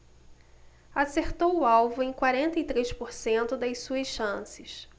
acertou o alvo em quarenta e três por cento das suas chances